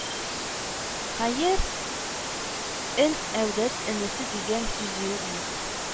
Хәер, эн әүдәт энесе дигән сүз үзе үк